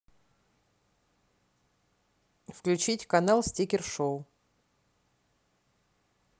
включить канал стикер шоу